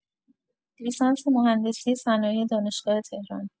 لیسانس مهندسی صنایع دانشگاه تهران